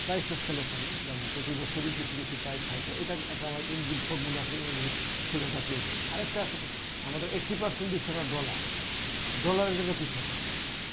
price এস্ক্যালেশনে প্রতিবছরই কিছু কিছু প্রাইস হাই করে এটা একটা আমাদের ইমবি ফর্মুলা আছে এ অনুযায়ী ঠিকাদার পেয়ে যাবে আরেকটা আছে আমাদের এইট্টি পার্সেন্ট দিচ্ছি আমরা ডলার ডলারের জন্য কিছু আইটেম বাড়বে